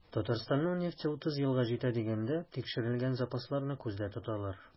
Татарстанның нефте 30 елга җитә дигәндә, тикшерелгән запасларны күздә тоталар.